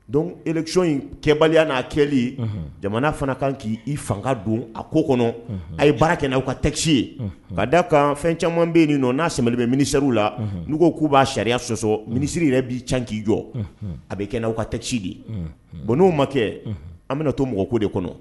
Don ekic in kɛbaliya n'a kɛlen ye jamana fana kan k'i i fanga don a ko kɔnɔ a ye baara kɛ aw ka tasi ye ka da kan fɛn caman bɛ nin nɔ n'a sɛmele bɛ minisiririw la n' k'u'a sariya sɔsɔ minisiriri yɛrɛ b'i ca k'i jɔ a bɛ kɛ aw ka tasi de ye bɔn n'o ma kɛ an bɛna to mɔgɔ ko de kɔnɔ